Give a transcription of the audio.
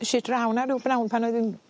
Nesh i draw 'na rw bnawn pan oedd 'i'n